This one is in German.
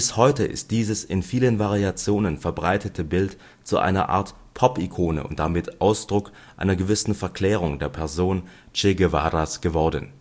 heute ist dieses in vielen Variationen verbreitete Bild zu einer Art Pop-Ikone und damit Ausdruck einer gewissen Verklärung der Person Che Guevaras geworden